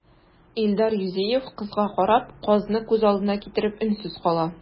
Илдар Юзеев, кызга карап, казны күз алдына китереп, өнсез кала.